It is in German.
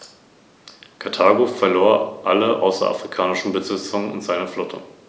Landkreise, Kommunen, Vereine, Verbände, Fachbehörden, die Privatwirtschaft und die Verbraucher sollen hierzu ihren bestmöglichen Beitrag leisten.